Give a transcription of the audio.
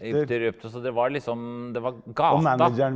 egypter så det var liksom det var gata.